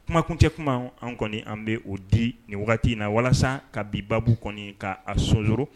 Kumakuntɛ kuman anw kɔni an bɛ o di nin wagati in na walasa ka bi baabu kɔni ka a sonsoro